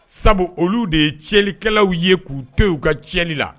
Sabu olu de ye cɛniikɛlaw ye k'u t'u ka cɛni la